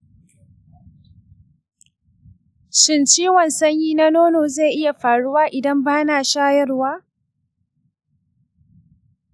shin ciwon sanyi na nono zai iya faruwa idan ba na shayarwa?